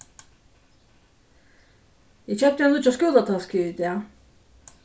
eg keypti eina nýggja skúlatasku í dag